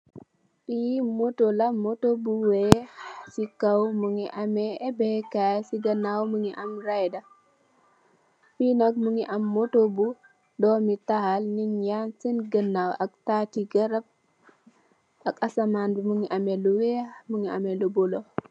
Fi moto la, moto bu weeh ci kaw mungi ameh ebèkaay, ci ganaaw mungi am rëdda. Fi nak mungi am moto bu doomital nit yang senn ganaaw ak taati garab ak asaman bi mungi ameh lu weeh, mungi ameh lu bulo.